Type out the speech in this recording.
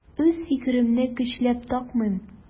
Үз фикеремне көчләп такмыйм.